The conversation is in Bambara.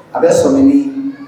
A bɛ sɔminɛnin ye